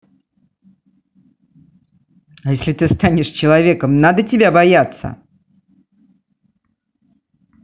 а если ты станешь человеком надо тебя бояться